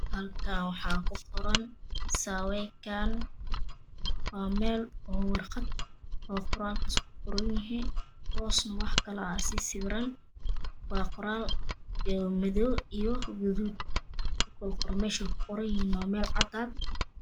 Halkaan waxaa kuqoran saweekan waa meel oo warqad ah oo waraaq ku qoranyihiin hoosna waxa kale kusii sasawiran qoraal madoow iyo guduud kukala qoran meshey ku qoranyihiine waa cadan